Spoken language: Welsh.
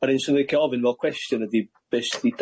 Yr hyn 'swn i'n licio ofyn fel cwestiwn ydi be' sy 'di